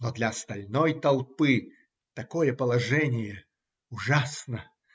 Но для остальной толпы такое положение ужасно.